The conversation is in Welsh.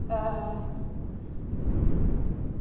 yy,